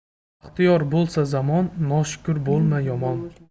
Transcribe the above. baxtiyor bo'lsa zamon noshukur bo'lma yomon